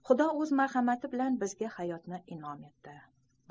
xudo o'z marhamati bilan bizga hayotni in'om etdi